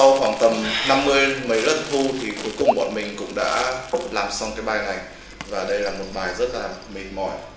sau khoảng tầm mấy lần thu thì cuối cùng bọn mình cũng đã làm xong cái bài này và đây là một bài rất là mệt mỏi